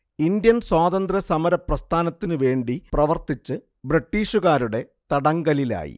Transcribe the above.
Indian സ്വാതന്ത്ര്യ സമരപ്രസ്ഥാനത്തിനു വേണ്ടി പ്രവർത്തിച്ച് ബ്രിട്ടീഷുകാരുടെ തടങ്കലിലായി